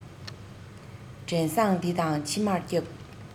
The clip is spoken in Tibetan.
བྲན བཟང འདི དང ཕྱི མར བསྐྱབས